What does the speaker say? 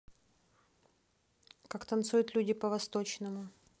как танцуют люди по восточному